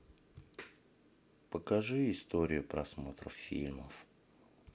покажи историю просмотров фильмов